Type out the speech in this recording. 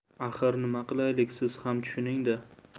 axir nima qilaylik siz ham tushuning da